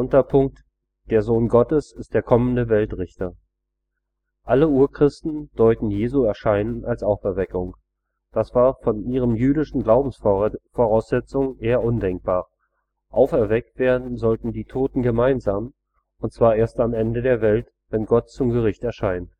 Der Sohn Gottes ist der kommende Weltrichter Alle Urchristen deuteten Jesu Erscheinen als „ Auferweckung “. Das war von ihren jüdischen Glaubensvoraussetzungen her undenkbar: „ Auferweckt “werden sollten die Toten gemeinsam, und zwar erst am Ende der Welt, wenn Gott zum Gericht erscheint